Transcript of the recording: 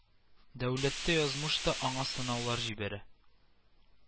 Дәүләт тә, язмыш та аңа сынаулар җибәрә